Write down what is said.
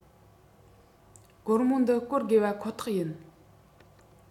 སྒོར མོ འདི བཀོལ དགོས པ ཁོ ཐག ཡིན